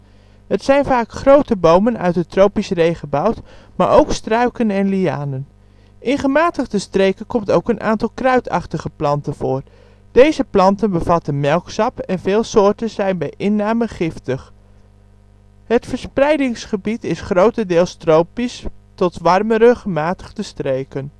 zijn vaak grote bomen uit het tropisch regenwoud, maar ook struiken en lianen. In gematigde streken komt ook een aantal kruidachtige planten voor. Deze planten bevatten melksap en veel soorten zijn bij inname giftig. Het verspreidingsgebied is grotendeels tropische tot warmere gematigde streken